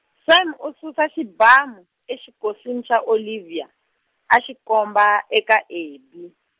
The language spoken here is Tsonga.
Sam a susa xibamu exikosini xa Olivia, a xi komba eka Abby.